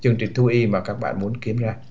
chương trình thú y mà các bạn muốn kiếm ra